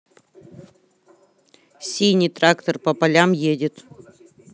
синий трактор по полям едет